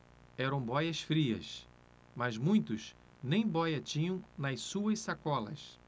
eram bóias-frias mas muitos nem bóia tinham nas suas sacolas